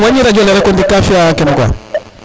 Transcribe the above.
wañi o radjo le rek o ɗik ka fia kene quoi